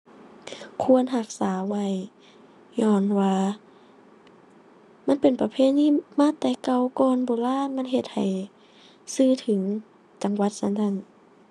ควรรักษาไว้ ญ้อนว่ามันเป็นประเพณีมาแต่เก่าก่อนโบราณ มันเฮ็ดให้สื่อถึงจังหวัดฉันนั้น